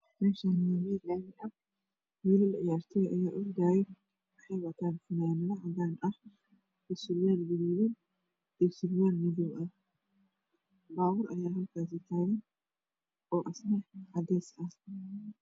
Meshani waa mel lami ah wll ciyartoya aya ordayo waxey watan fananad cadan ah sarwal gaduudna io sarwal madow ah babuur aya halkas tagan oo asina cades ah